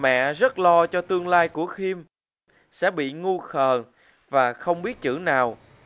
mẹ rất lo cho tương lai của phim sẽ bị ngu khờ và không biết chữ nào